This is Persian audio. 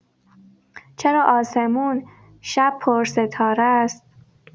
چرا آسمون شب پرستاره‌ست؟